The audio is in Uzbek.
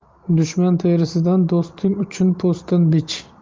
dushman terisidan do'sting uchun po'stin bich